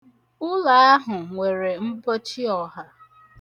Ụlọ ahụ nwere mpochi ọha.